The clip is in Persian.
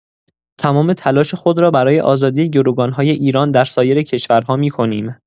تمام تلاش خود را برای آزادی گروگان‌های ایران در سایر کشورها می‌کنیم.